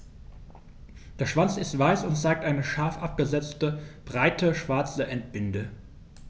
Der Schwanz ist weiß und zeigt eine scharf abgesetzte, breite schwarze Endbinde.